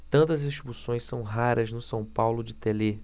tantas expulsões são raras no são paulo de telê